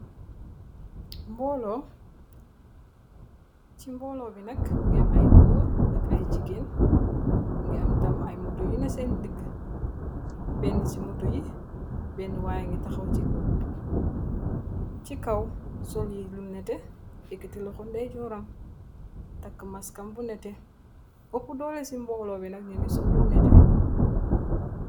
mboci mboolo bi nak mu ngi am ay góor ak ay jigéen mu ngi am tam ay muto yina seen digg benn ci muto yi benn waayé ngi taxaw ci kaw sol yi lu nete ikkiti laxo ndeyjoram takk maskam bu nete ëpp doole ci mbooloo bi nak nuni sol lu nete